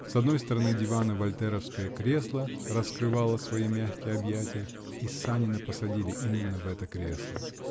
с одной стороны дивана вольтеровское кресло раскрывало свои мягкие объятия -- и Санина посадили именно в это кресло.